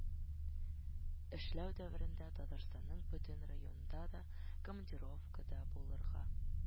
Эшләү дәверендә Татарстанның бөтен районында да командировкада булырга